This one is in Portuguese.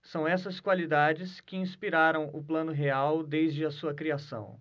são essas qualidades que inspiraram o plano real desde a sua criação